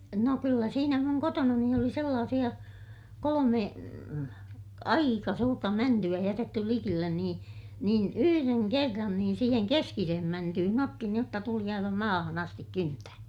no kyllä siinä minun kotonani oli sellaisia kolme aika suurta mäntyä jätetty likelle niin niin yhden kerran niin siihen keskiseen mäntyyn otti niin jotta tuli aivan maahan asti kyntäen